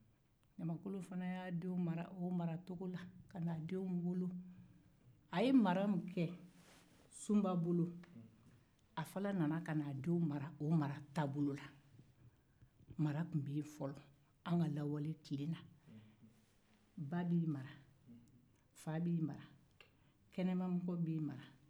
ɲamankolon fana y'a denw mara o maracogo la a ye mara min kɛ sunaba bolo a fana nana denw marar o cogo la mara tun bɛ yen fɔlɔ ba ni fa b'i mara kɛnɛmamɔgɔw b'i mara